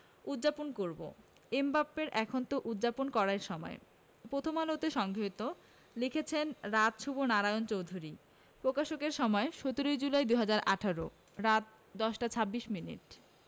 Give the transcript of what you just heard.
উদ্ যাপন করব এমবাপ্পের এখন তো উদ্ যাপন করারই সময় প্রথম আলো হতে সংগৃহীত লিখেছেন রাজ শুভ নারায়ণ চৌধুরী প্রকাশের সময় ১৭ জুলাই ২০১৮ রাত ১০টা ২৬ মিনিট